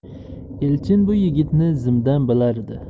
elchin bu yigitni zimdan bilardi